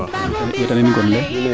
weta na in gonle